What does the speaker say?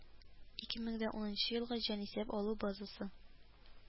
Ике мең дә унынчы елгы җанисәп алу базасы